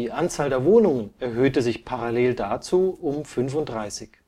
Anzahl der Wohnungen erhöhte sich parallel dazu um 35.